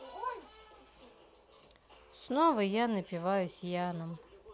снова я напиваюсь яном